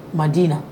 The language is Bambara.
Ma di na